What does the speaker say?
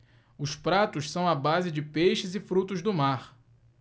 os pratos são à base de peixe e frutos do mar